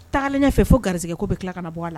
A taalen ɲɛ fɛ fo gari ko bɛ tila ka na bɔ a la